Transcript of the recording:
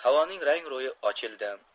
havoning rang ro'yi ochildi